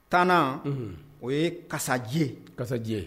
Tanana o ye karisajɛ karisajɛ